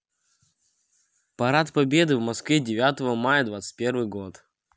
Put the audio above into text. парад победы в москве девятого мая двадцать первый год